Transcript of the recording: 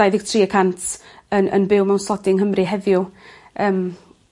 dau ddeg tri y cant yn yn byw mewn slodi yng Nghymru heddiw yym.